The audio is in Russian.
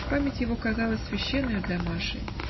Память его казалась священною для Маши